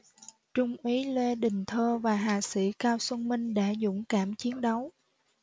trung úy lê đình thơ và hạ sĩ cao xuân minh đã dũng cảm chiến đấu